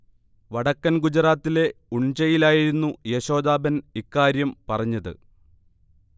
വടക്കൻ ഗുജറാത്തിലെ ഉൺചയിലായിരുന്നു യശോദാ ബെൻ ഇക്കാര്യം പറഞ്ഞത്